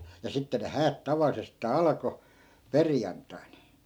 ja sitten ne häät tavallisestaan alkoi perjantaina